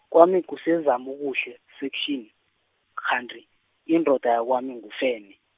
kwami kuseZamokuhle Section, kanti, indoda yakwami nguFene.